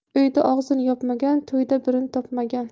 uyda og'zin yopmagan to'yda birin topmagan